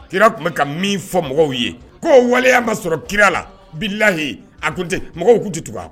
Kira tun bɛ ka min fɔ mɔgɔw ye ko waleya ma sɔrɔ kira la bilayi a tun tɛ mɔgɔw' tɛ tugu